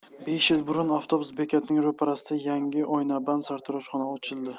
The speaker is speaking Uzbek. besh yil burun avtobus bekatining ro'parasida yangi oynaband sartaroshxona ochildi